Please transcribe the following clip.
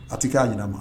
A tɛ k'a ɲɛna ma